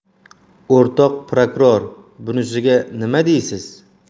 o'rtoq prokuror bunisiga nima deysiz